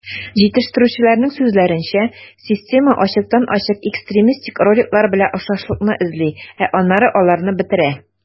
Җитештерүчеләр сүзләренчә, система ачыктан-ачык экстремистик роликлар белән охшашлыкны эзли, ә аннары аларны бетерә.